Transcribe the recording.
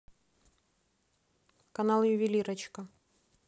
канал ювелирочка